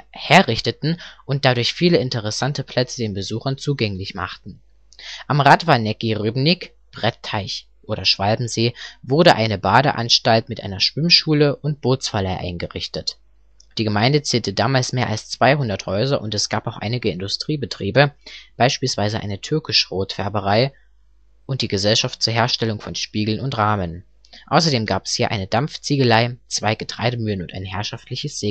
herrichteten und dadurch viele interessante Plätze den Besuchern zugänglich machten. Am Radvanecký rybník (Brettteich, Schwalbensee) wurde ein Badeanstalt mit einer Schwimmschule und Bootsverleih eingerichtet. Die Gemeinde zählte damals mehr als 200 Häuser und es gab auch einige Industriebetriebe, beispielsweise eine Türkischrotfärberei und die Gesellschaft zur Herstellung von Spiegeln und Rahmen. Außerdem gab es hier eine Dampfziegelei, zwei Getreidemühlen und ein herrschaftliches